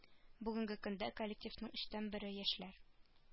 Бүгенге көндә коллективның өчтән бере яшьләр